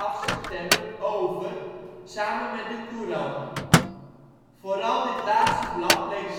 september over, samen met De Courant. Vooral dit laatste blad bleek